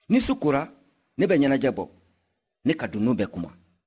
ni su kora ne bɛ ɲɛnajɛ bɔ ne ka dunun bɛ kuma